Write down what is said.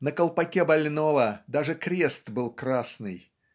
На колпаке больного даже крест был красный